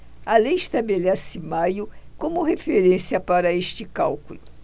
a lei estabelece maio como referência para este cálculo